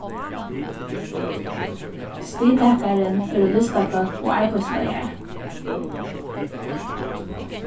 stigtakarin eru listafólk og arbeiðsleiðari